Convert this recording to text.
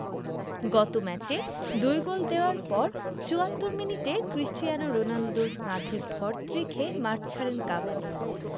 গত ম্যাচে দুই গোল দেওয়ার পর ৭৪ মিনিটে ক্রিস্টিয়ানো রোনালদোর কাঁধে ভর রেখে মাঠ ছাড়েন কাভানি